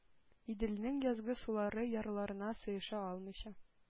Иделнең язгы сулары ярларына сыеша алмыйча